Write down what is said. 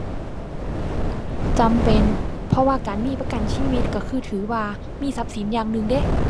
จำเป็น เพราะว่าการมีประกันชีวิตก็คือถือว่ามีทรัพย์สินอย่างหนึ่งเดะ